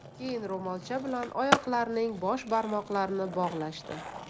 keyin ro'molcha bilan oyoqlarning bosh barmoqlarini bog'lashdi